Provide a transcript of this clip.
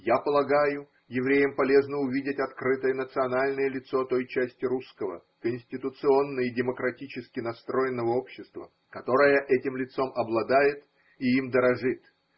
Я полагаю, евреям полезно увидеть открытое национальное лицо той части русского, конституционно и демократически настроенного общества, которая этим лицом обладает и им дорожит.